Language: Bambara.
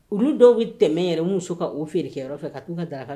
Olu dɔw bɛ tɛmɛ yɛrɛ muso ka u feere kɛrɔ fɛ ka t'u ka da